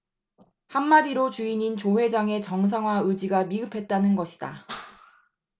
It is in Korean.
한마디로 주인인 조 회장의 정상화 의지가 미흡했다는 것이다